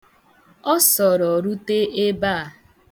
Ọ sọrọ rute ebe a.